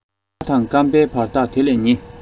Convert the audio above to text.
ང དང བརྐམ པའི བར ཐག དེ ལས ཉེ